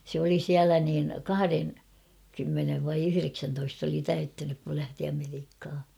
se oli siellä niin kahdenkymmenen vai yhdeksäntoista oli täyttänyt kun lähti Amerikkaan